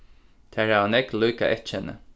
tær hava nógv líka eyðkenni